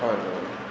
xaaruñu ko woon